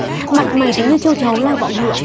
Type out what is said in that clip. mặt mày tính như châu chấu lai bọ ngựa